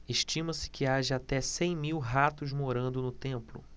estima-se que haja até cem mil ratos morando no templo